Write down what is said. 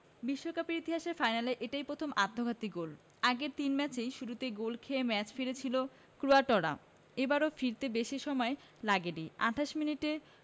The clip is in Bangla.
বিশ্বকাপের ইতিহাসে ফাইনালে এটাই প্রথম আত্মঘাতী গোল আগের তিন ম্যাচেই শুরুতে গোল খেয়ে ম্যাচে ফিরেছিল ক্রোয়াটরা এবারও ফিরতে বেশি সময় লাগেনি ২৮ মিনিটে